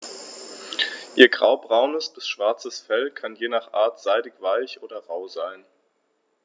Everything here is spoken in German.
Ihr graubraunes bis schwarzes Fell kann je nach Art seidig-weich oder rau sein.